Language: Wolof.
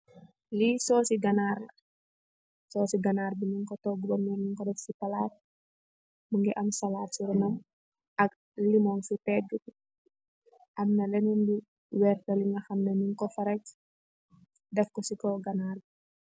Li sosex ganarr laax , soseh ganaar bi nun kooh togaah bum joor nun kooh teek si koow palaat , mukeh emm salat si roon naam , ak lemonn si bekaah bi , emm na lennen lu werta nun kooh ferag , deff kooh si koow ganaar bi.